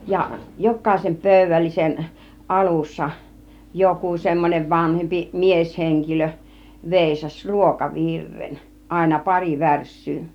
ja jokaisen pöydällisen alussa joku semmoinen vanhempi mieshenkilö veisasi ruokavirren aina pari värssyä